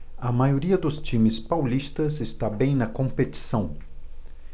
a maioria dos times paulistas está bem na competição